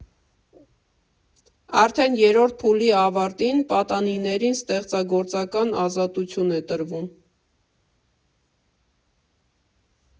Արդեն երրորդ փուլի ավարտին պատանիներին ստեղծագործական ազատություն է տրվում։